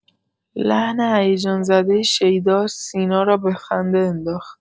لحن هیجان‌زده شیدا، سینا را به خنده انداخت.